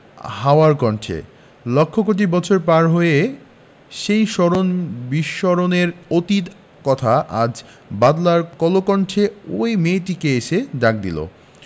হাওয়ার কণ্ঠে লক্ষ কোটি বছর পার হয়ে সেই স্মরণ বিস্মরণের অতীত কথা আজ বাদলার কলকণ্ঠে ঐ মেয়েটিকে এসে ডাক দিলে